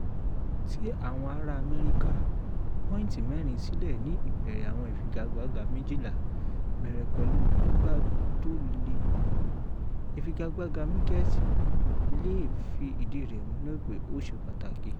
Tí àwọn ará Amẹ́ríkà, pọ́ìntì mẹ́rin sílẹ̀ ní ìbẹ̀rẹ̀ àwọn ìfigagbága 12, bẹ̀rẹ̀ pẹ̀lú gbígbà tó lé, ìfigagbaga Mickelson le fi ìdí rẹ̀ múlẹ̀ pé ó ṣe pàtàkì.